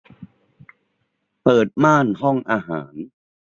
เปิดม่านห้องอาหาร